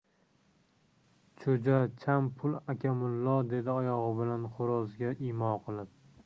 cho'cha chan pul aka mullo dedi oyog'i bilan xo'rozga imo qilib